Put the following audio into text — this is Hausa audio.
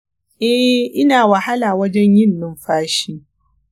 eh, ina wahala wajen yin numfashi.